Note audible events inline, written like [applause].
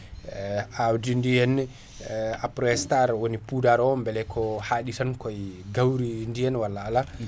[hesitation] awdidi henna Aprostar woni poudre o beele ko haɗi tan koye gawri diin walla ala